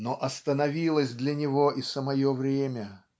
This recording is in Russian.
но остановилось для него и самое время.